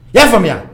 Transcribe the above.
I y'a faamuya